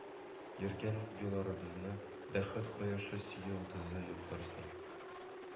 Йөргән юлларыгызны бәхет кояшы, сөю йолдызы яктыртсын